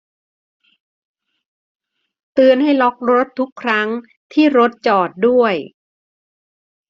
เตือนให้ล็อครถทุกครั้งที่รถจอดด้วย